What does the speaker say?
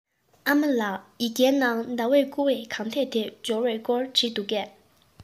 ཨ མ ལགས ཡི གེ ནང ཟླ བསྐུར བའི སྒྲུང དེབ དེ འབྱོར བའི སྐོར བྲིས འདུག གས